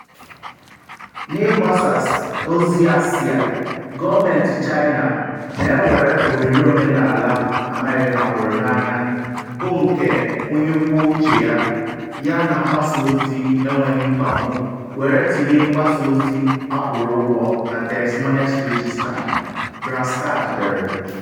“N’ịgbasa ozi asị a, gọọmentị China na ewere oghere omenala America hụrụ n’anya bụ nke onye kwuo uche ya na mgbasa ozi enweghị mkpagbu were tinye mgbasa ozi akwụrụ ụgwọ na Des Moines Register.” Branstad dere.